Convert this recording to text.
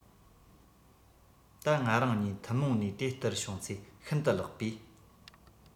ད ང རང གཉིས ཐུན མོང ནས དེ ལྟར བྱུང ཚེ ཤིན ཏུ ལེགས པས